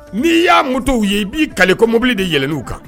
N'i y'a mun'w ye i b'i kalile ko mobili deɛlɛnni' kan